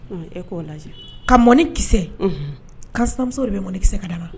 Unh ! E k'o lajɛ, ka mɔni kisɛ, unhun, kansinamuso de bɛ mɔni kisɛ ka da ma.